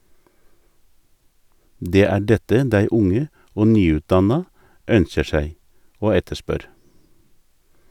Det er dette dei unge og nyutdanna ønskjer seg og etterspør.